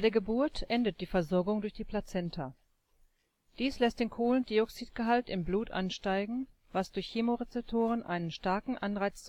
Geburt endet die Versorgung durch die Plazenta. Dies lässt den Kohlendioxidgehalt im Blut ansteigen, was durch Chemorezeptoren einen starken Anreiz